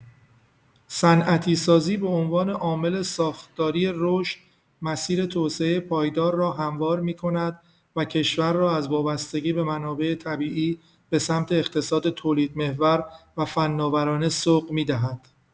صنعتی‌سازی به عنوان عامل ساختاری رشد، مسیر توسعۀ پایدار را هموار می‌کند و کشور را از وابستگی به منابع طبیعی به سمت اقتصاد تولیدمحور و فناورانه سوق می‌دهد.